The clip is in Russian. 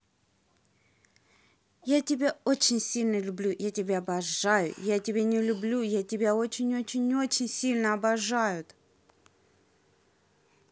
я тебя очень сильно люблю я тебя обожаю я тебя не люблю я тебя очень очень очень сильно обожают